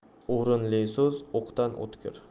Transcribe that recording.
o'rinli so'z o'qdan o'tkir